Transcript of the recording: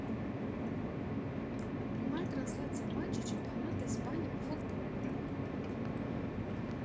прямая трансляция матча чемпионата испании по футболу